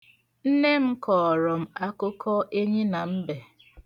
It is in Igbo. Nne m kọọrọ m akụkụ enyi na mbe.